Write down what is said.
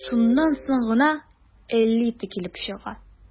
Шуннан соң гына «элита» килеп чыга...